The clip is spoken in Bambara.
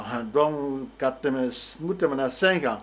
Dɔn tɛmɛna san in kan